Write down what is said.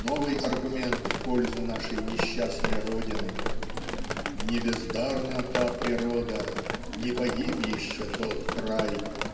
новый аргумент в пользу нашей несчастной родины. "Не бездарна та природа не погиб еще тот край"